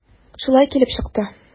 Шулай килеп чыкты.